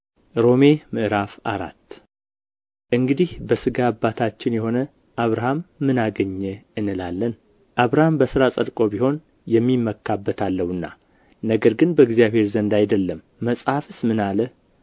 ሮሜ ምዕራፍ አራት እንግዲህ በሥጋ አባታችን የሆነ አብርሃም ምን አገኘ እንላለን አብርሃም በሥራ ጸድቆ ቢሆን የሚመካበት አለውና ነገር ግን በእግዚአብሔር ዘንድ አይደለም መጽሐፍስ ምን አለ